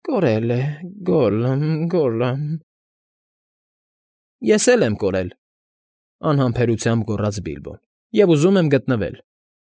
Գոլլմ։ Կորել է, գոլլմ, գոլլմ, գոլլմ… ֊ Ես էլ եմ կորել,֊ անհամբերությամբ գոռաց Բիլբոն։֊ Եվ ուզում եմ գտնվել։